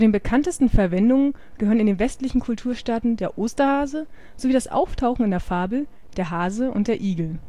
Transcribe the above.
bekanntesten Verwendungen gehören in den westlichen Kulturstaaten der Osterhase sowie das Auftauchen in der Fabel Der Hase und der Igel